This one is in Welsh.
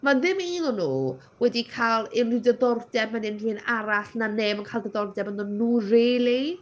Mae ddim un o nhw wedi cael unrhyw diddordeb yn unrhyw un arall na neb yn cael ddiddordeb ynddo nhw really.